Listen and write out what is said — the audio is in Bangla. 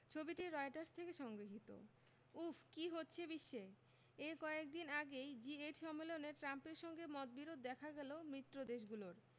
ছবিটি রয়টার্স থেকে সংগৃহীত উফ্ কী হচ্ছে বিশ্বে এই কয়েক দিন আগেই জি এইট সম্মেলনে ট্রাম্পের সঙ্গে মতবিরোধ দেখা গেল মিত্রদেশগুলোর